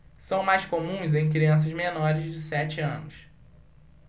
são mais comuns em crianças menores de sete anos